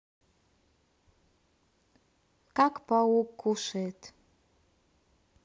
как паук кушает